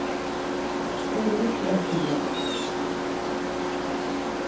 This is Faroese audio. eg vil ikki ørkymla teg